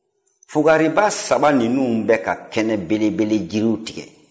fugariba saba ninnu bɛ ka kɛnɛ belebele yiriw tigɛ